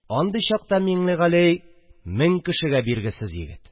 Андый чакта Миңлегали – мең кешегә биргесез егет